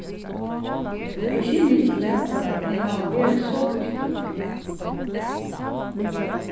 eg skilji ikki at eg kann hava verið so býttur